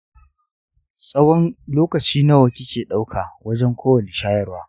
tsawon lokaci nawa kike dauka wajen kowani shayarwa?